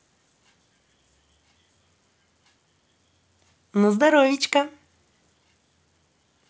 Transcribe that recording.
ну здоровечка